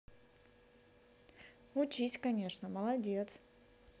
учись конечно молодец